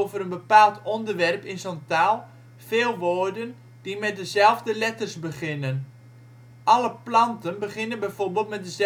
een bepaald onderwerp in zo 'n taal veel woorden die met dezelfde letters beginnen. Alle planten beginnen bijvoorbeeld met